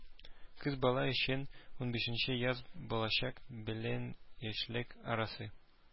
Кыз бала өчен унбишенче яз балачак белән яшьлек арасы.